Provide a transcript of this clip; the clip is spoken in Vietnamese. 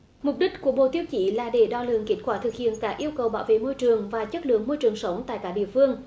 mục đích của bốn tiêu chí là để đo lường kết quả thực hiện các yêu cầu bảo vệ môi trường và chất lượng môi trường sống tại các địa phương